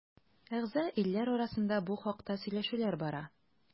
Әгъза илләр арасында бу хакта сөйләшүләр бара.